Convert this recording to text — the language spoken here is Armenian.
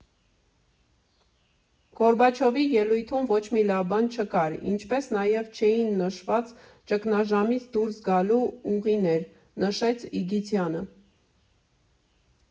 Գորբաչովի ելույթում ոչ մի լավ բան չկար, ինչպես նաև չէին նշված ճգնաժամից դուրս գալու ուղիներ ֊ նշեց Իգիթյանը։